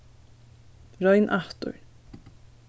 royn aftur